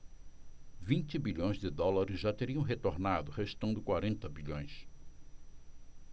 vinte bilhões de dólares já teriam retornado restando quarenta bilhões